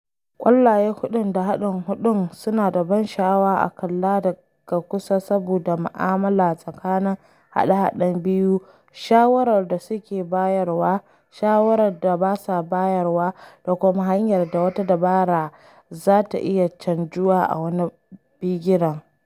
Ƙwallaye huɗun da haɗin huɗun suna da ban sha’awa a kalla daga kusa saboda ma’amala tsakanin haɗe-haɗen biyu, shawarar da suke bayarwa, shawarar da ba sa bayarwa da kuma hanyar da wata dabara za ta iya canjuwa a wani bigiren.